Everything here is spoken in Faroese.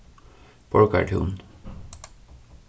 borgartún